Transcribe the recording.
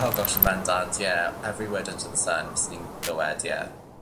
O gosh yn bendant, ie, every word under the sun fyswn i'n glywed ie.